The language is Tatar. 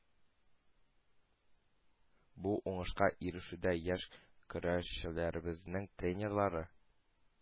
Бу уңышка ирешүдә яшь көрәшчеләребезнең тренерлары